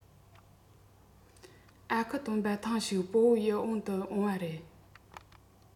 ཨ ཁུ སྟོན པ ཐེངས ཤིག སྤོ བོ ཡིད འོང དུ ཡོང བ རེད